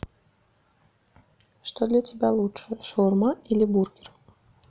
что для тебя лучше шаурма или бургер